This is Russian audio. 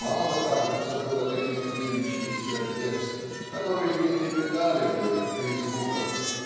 мало, кажется, было таких девичьих сердец, которые не трепетали бы при звуках